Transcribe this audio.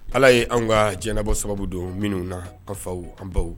Ala ye an ka diɲɛbɔ sababu don minnu na anfaw an baw